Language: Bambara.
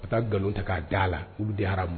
Ka taa nkalon ta k'a da a la olu de aramu